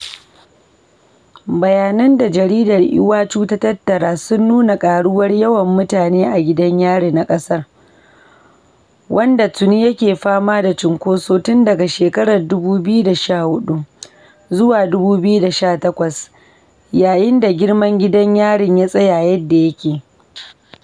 Bayanan da jaridar Iwacu ta tattara sun nuna ƙaruwar yawan mutane a gidan yari na ƙasar wanda tuni yake fama da cunkoso tun daga shekarar 2014 zuwa 2018, yayin da girman gidan yarin ya tsaya yadda yake.